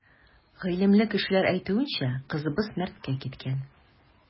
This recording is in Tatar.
Гыйлемле кешеләр әйтүенчә, кызыбыз мәрткә киткән.